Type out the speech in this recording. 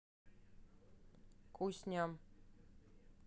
кусь ням